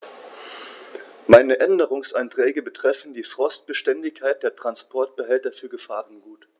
Meine Änderungsanträge betreffen die Frostbeständigkeit der Transportbehälter für Gefahrgut.